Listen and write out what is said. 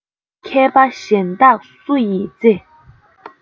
མཁས པ གཞན དག སུ ཡིས བརྩི